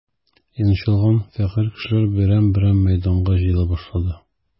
Йончылган, фәкыйрь кешеләр берәм-берәм мәйданга җыела башлады.